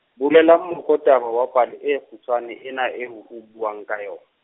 bulela mokotaba wa pale e kgutshwane ena eo o buang ka yo.